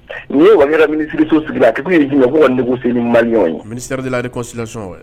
U ye wa wɛrɛ mini tigi to a fɔ ne mariɔn ye mini saba ale kɔnsilaɔn ye